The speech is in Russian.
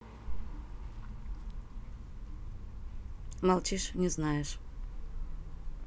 молчишь не знаешь